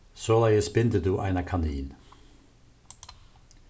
soleiðis bindur tú eina kanin